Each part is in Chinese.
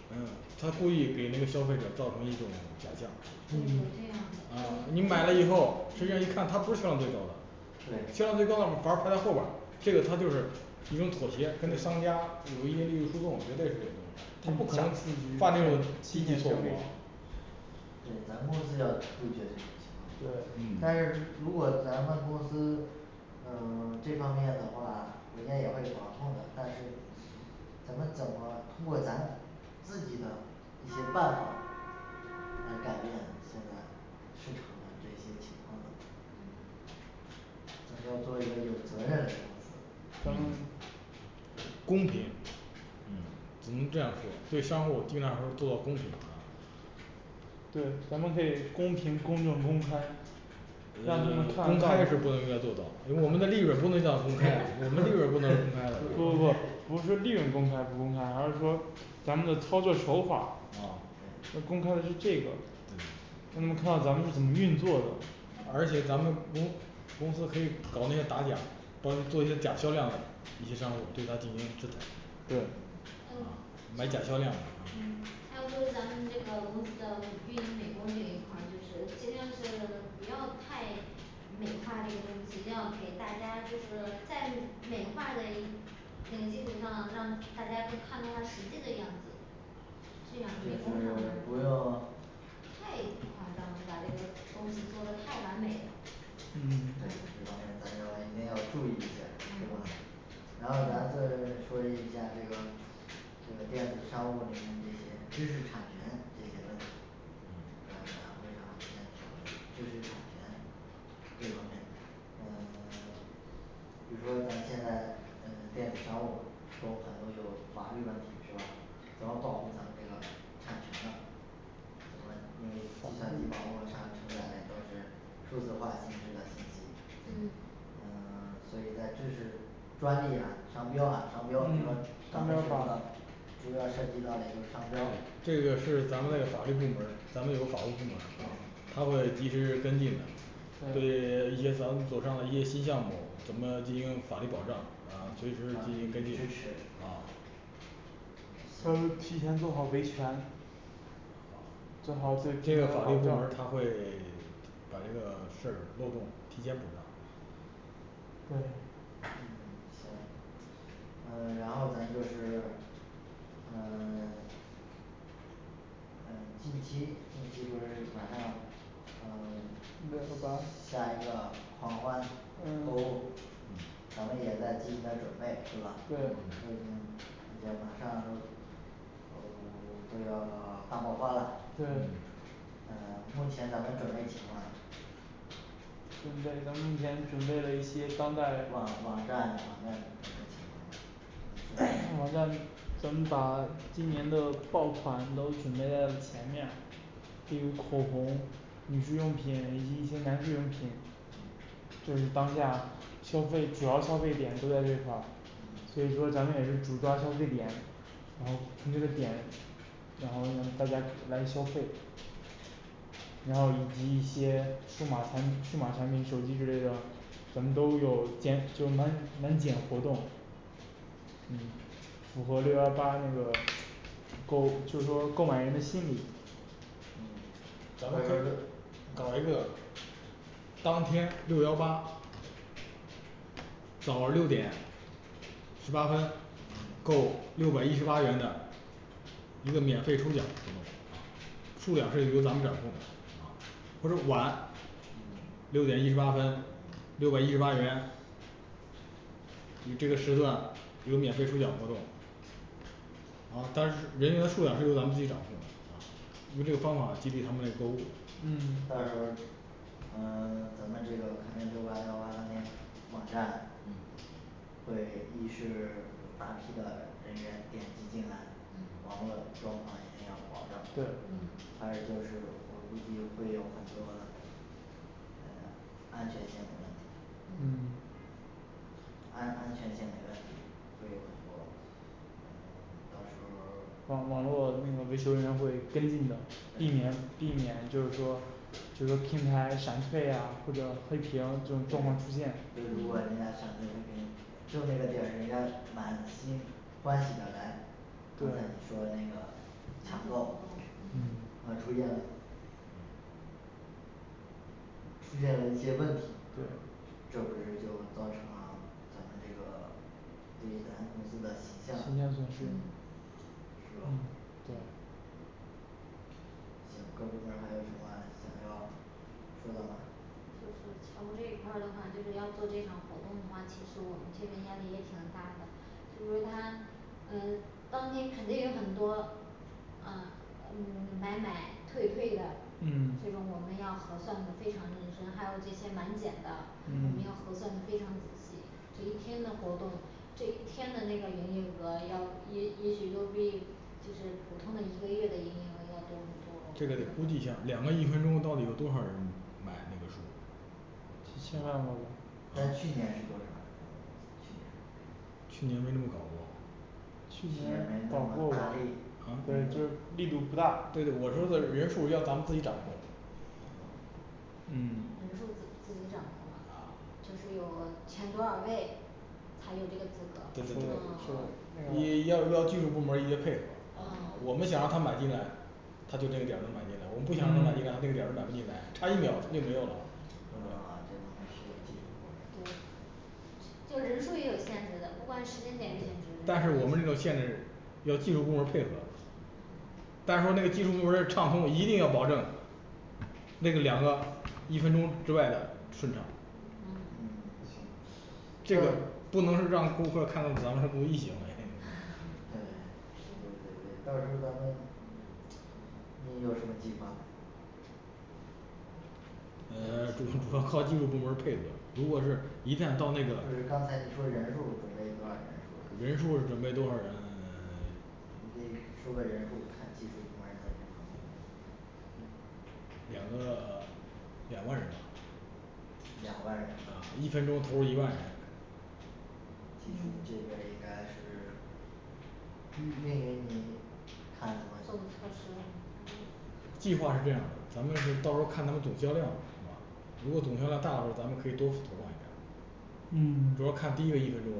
嗯嗯他故意给那个消费者造成一种假象，对有这样啊的你买了以后，实际上一看它不是销量最高的对销量最高的反而排在后边儿，这个它就是一种妥协，跟这商对家有一些利益输送绝对是有的，他不可能犯这种低级错误啊。对咱公司要杜绝这种情况对但是嗯如果咱们公司嗯 这方面的话，国家也会管控的，但是咱们怎么通过咱自己的一些办法来改变现在市场的这些情况的嗯咱要做一个有责任嘞公司咱们嗯公平嗯只能这样说，对商户儿尽量还是做到公平啊对咱们可以公平公正公开让他们嗯 看公看开，是不能应该做到，我们的利润不能叫公开，我们利润不能公开的，不不不不是利润公开不公开，而是说咱们的操作手法儿哦那对公开的是这个嗯嗯对嗯买假销量的嗯还有就咱们这个公司的运营美工这一块儿，就是尽量是不要太美化这个东西，一定要给大家就是在美化的嗯那个基础上，让大家更看到它实际的样子这就样美工看了是不用太夸张，把这个东西做的太完美了对嗯嗯这方面咱要一定要注意一下儿是吧嗯这方面呃 比如说咱现在嗯电子商务公很多有法律问题是吧？怎么保护咱们这个产权呢怎么因为计算机网络上承载嘞都是数字化形式的信息，嗯嗯 所以在知识、专利啊、商标啊商标主嗯要咱商们标涉及法到主要涉及到嘞就是商标，这个是咱们那个法律部门儿，咱们有法务部门儿啊，他会对嗯及时跟进的嗯对于一些咱们走上了一些新项目，怎么进行法律保障嗯啊，随时进行法跟进律支持啊都嗯行提前做好维权正好对这个法律部门儿他会 把这个事儿漏洞提前补上对嗯行嗯然后咱就是嗯 嗯近期近期就是马上嗯 六幺八嗯嗯对嗯都 都要 大爆发了，对嗯嗯目前咱们准备情况呢准备咱目前准备了一些当代网网站网站准备情况 网站咱们把今年的爆款都准备在了前面，比如口红、女士用品以及一些男士用品就是当下消费主要消费点都在这一块儿，嗯所以说咱们也是主抓消费点，然后从这个点然后大家来消费然后以及一些数码产数码产品手机之类的，咱们都有减就满满减活动嗯符合六幺八那个购就是说购买人的心理嗯咱咱们们搞可以一个搞一个当天六幺八早六点十八分嗯够六百一十八元的一个免费抽奖活动啊，数量是由咱们掌控的啊。啊或者晚嗯六点一十八分，六百一十八元你这个时段有免费抽奖活动啊但是人员数量是由咱们自己掌控的啊用这个方法激励他们那个购物到嗯时候儿嗯 咱们这个看那六八幺八当天网站嗯嗯对嗯呃安全性的问题嗯嗯安安全性嘞问题，会有很多嗯到时候儿，对对对对如果人家闪退黑屏，就那个点儿人家满心欢喜的来刚才你对说的那个抢购嗯啊出现了出现了一些问题对这不是就造成了咱们这个对于咱们公司的形形象象损嗯失是嗯吧对行各部门儿还有什么想要说的吗就是财务这一块儿的话就是要做这场活动的话，其实我们这边压力也挺大的。就是它嗯当天肯定有很多啊嗯买买退退的嗯所以说我们要合算得非常认真还有这些满减的，我们要嗯核算的非常仔细，这一天的活动这一天的那个营业额要也也许都比就是普通的一个月的营业额要多很多，这个得估计一下两个一分钟到底有多少人买那个数。几千万吧，咱去年是多少呀咱们公司去年去年没这么搞过去去年没年这搞么过大力啊对就力度不大对我说的人数儿要咱们自己掌控人嗯数儿自自己掌控啊，就是有前多少位才有这个资格对对对啊是你要要技术部门儿一些配合啊，我们想让他买进来他就这个点儿能买进来，我们不想他买进嗯来，那个点儿就买不进来，差一秒就没有了。啊这方面需要技术部门儿对就人数儿也有限制的，不光时间对点限制，但是我们这个限制要技术部门儿配合但是说那个技术部门儿畅通一定要保证那个两个一分钟之外的顺畅嗯嗯行这个不能是让顾客看到咱们是故意行对对对对为 到时候儿咱们嗯你有什么计划呃主主要靠技术部门儿配合，如果是一旦到那个，不是刚才你说人数儿准备多少人数，人数是准备多少人 你得说个人数儿看技术部门儿的那个两个两万人吧两万人啊一分钟投入一万人技术这边儿应嗯该是计划是这样儿的，咱们是到时候儿看他们总销量啊，如果总销量大时候儿，咱们可以多投放一点嗯儿。主要看第一个一分钟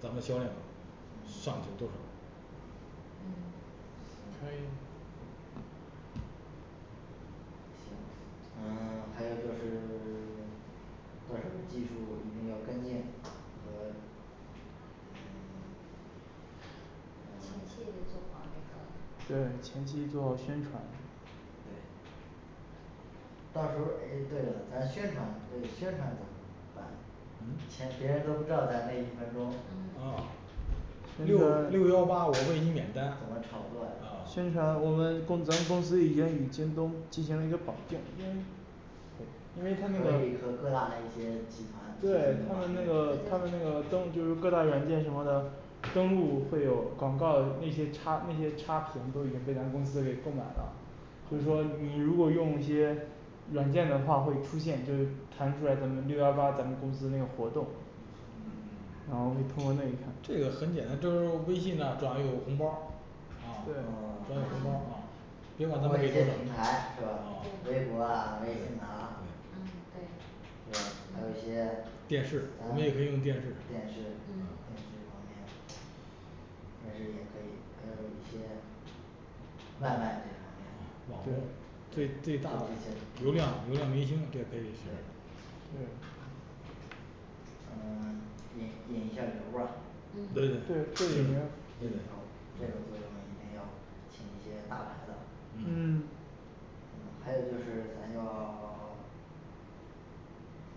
咱们销量上去多少儿嗯可以行行嗯还有就是 到时候儿技术一定要跟进和嗯 前期也嗯做好那个对前期做好宣传。对到时候儿诶对了咱宣传对宣传怎么办前嗯别人都不知道，咱这一分钟嗯啊怎么炒作啊啊宣传，我们公咱们公司已经与京东进行了一个绑定因为因对为他那个可以和各大嘞一些集团对他们那个他们那个登就是各大软件什么的，登陆会有广告儿，那些插那些插屏都已经被咱公司给购买了就是说哦你如果用一些软件的话，会出现就弹出来咱们六幺八咱们公司那个活动嗯然后会通过那几天这个很简单就微信呐转有红包儿对啊转一个红哦包儿别通管他过一些平台是吧？对微博啊微信啊嗯对是吧还有一些电视，我们也可以用咱们电电视视电视方面嗯的电视也可以还有一些外卖这方面对对啊啊引引一下儿流儿吧嗯对对这个引流儿对这个作用一定要请一些大牌的嗯嗯嗯还有就是咱要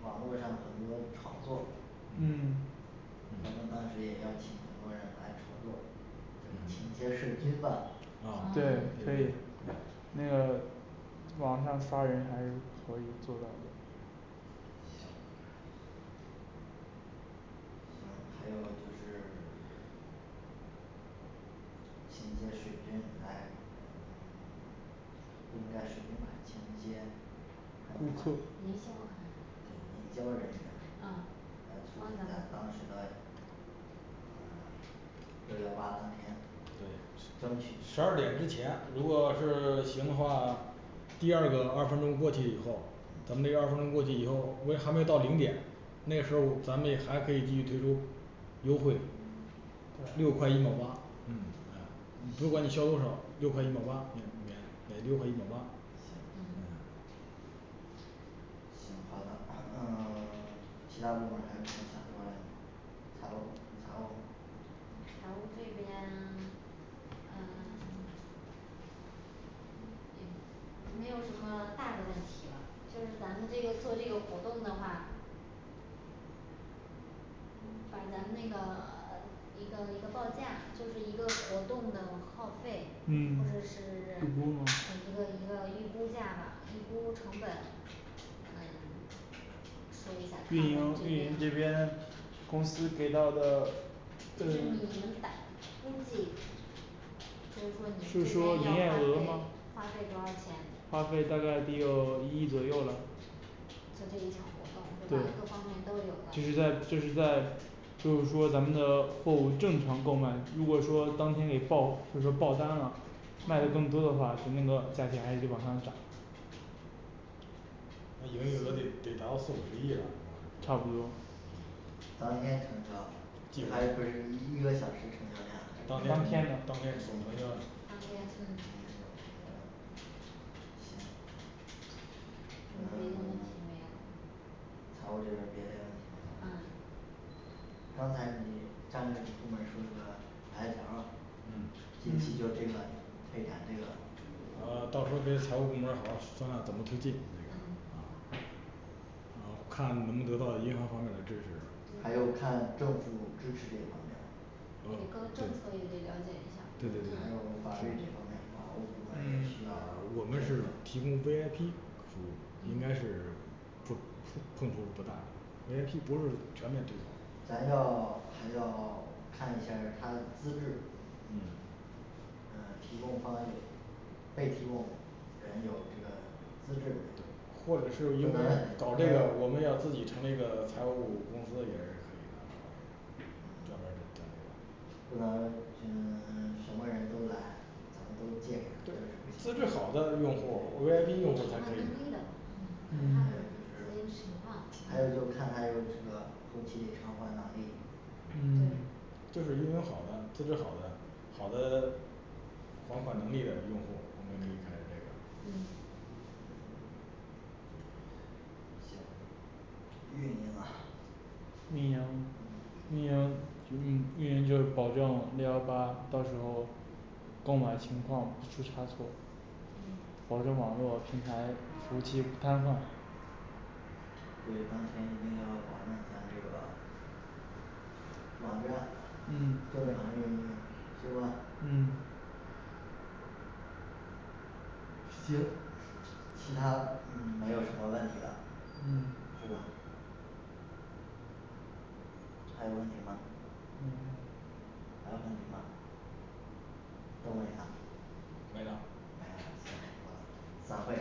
网络上很多炒作嗯咱们到时也要请很多人来炒作，请一些水军吧嗯行行还有就是 请一些水军来嗯 不应该水军吧请一些顾呃，客营销哎对营销人员，啊来替咱帮咱们们当时的对争十取二点之前，如果是行的话，第二个二分钟过去以后，咱们那个二分钟过去以后如果还没到零点那个时候儿咱们还可以继续推出优惠六块一毛八，嗯呃嗯如果你消多少六块一毛八免免免六块一毛八行呃行好的嗯 其他部门儿还有什么想说嘞吗财务财务财务这边 嗯 没有什么大的问题了，就是咱们这个做这个活动的话把咱们那个 一个一个报价就是一个活动的耗费，或者嗯是预估吗一个一个预估价吧预估成本嗯 运营运营这边公司给到的就呃是你能打估计就是是说说你这营边业要花额费吗花费多少钱花费大概得有一亿左右了就这一场活动对吧？对各方面都有了就是在就是在就是说咱们的货物正常购买，如果说当天给爆就是说爆单了，卖得更多的话就那个价钱还得往上涨那营业额得得达到四五十亿了。差不多当天成交就还不是一个小时成交当量，天的当天嗯行别的嗯问题 没有财务这边儿别嘞问题没有了嗯嗯嗯啊看能不得到银行方面儿的支持，还有看政府支持这方面每嗯个政策也得了解一下对，对对对，嗯我们是提供V I P服务应该是不扑 碰触不大，V I P不是全面推广咱要还要看一下儿他的资质嗯嗯提供方与，被提供。人有这个资质没有，或者是应该搞这个我们要自己成立个财务公司也是可以的对资质好的用户儿V I 偿还 P 用户儿才可能以的。力的嗯看他的嗯资金情况嗯对就是因为好的资质好的。好的还款能力的用户儿我们可以采用这个对行运营啊运营嗯运营嗯运营就保证六幺八到时候购买情况不出差错保证网络平台服务器瘫痪对当天一定要保证咱这个网站正嗯常的运行，行吧嗯行其他没有什么问题了嗯是吧还有问题吗没有还有问题吗都没啦没啦没啦那行吧散会